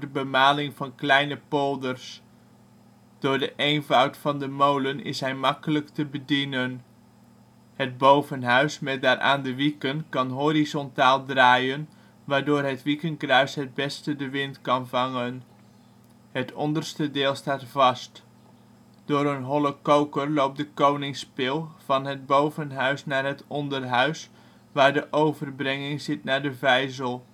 bemaling van kleine polders. Door de eenvoud van de molen is hij makkelijk te bedienen. Het bovenhuis met daaraan de wieken kan horizontaal draaien, waardoor het wiekenkruis het beste de wind kan vangen. Het onderste deel staat vast. Door een holle koker loopt de koningsspil van het bovenhuis naar het onderhuis, waar de overbrenging zit naar de vijzel